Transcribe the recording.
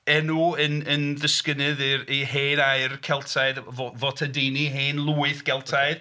Enw yn yn ddisgynydd i'r i hen air Celtaidd fo- Fotodini hen lwyth Geltaidd.